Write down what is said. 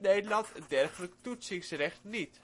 Nederland een dergelijk toetsingsrecht niet.